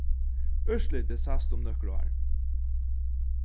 úrslitið sæst um nøkur ár